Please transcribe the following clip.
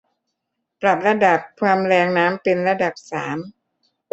ปรับระดับความแรงน้ำเป็นระดับสาม